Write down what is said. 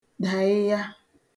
dàịya